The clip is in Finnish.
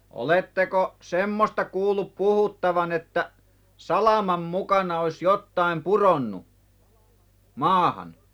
oletteko semmoista kuullut puhuttavan että salaman mukana olisi jotakin pudonnut maahan